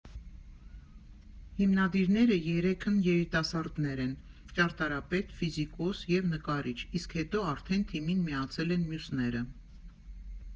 Հիմնադիրները երեքն երիտասարդներ են՝ ճարտարապետ, ֆիզիկոս և նկարիչ, իսկ հետո արդեն թիմին միացել են մյուսները։